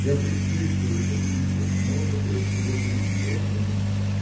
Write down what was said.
Я предчувствую, что ты еще много кое-чего перебьешь у меня.